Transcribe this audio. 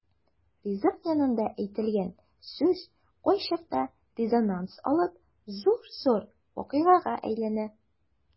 Ризык янында әйтелгән сүз кайчакта резонанс алып зур-зур вакыйгага әйләнә.